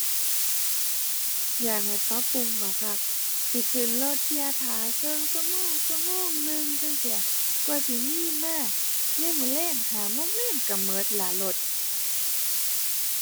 อยากให้ปรับปรุงบักคัก สิขึ้นรถเที่ยท่าครึ่งชั่วโมง ชั่วโมงหนึ่งจั่งซี้ กว่าสิมีมา ยามมื้อแลงห้าโมงแลงครึ่งครึ่งแล้วรถ